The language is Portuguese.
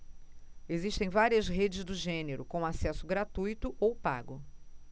existem várias redes do gênero com acesso gratuito ou pago